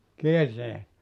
kierteet